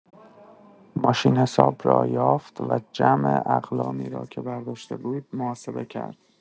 ماشین‌حساب را یافت و جمع اقلامی را که برداشته بود، محاسبه کرد.